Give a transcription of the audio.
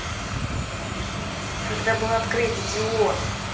когда был открыт идиот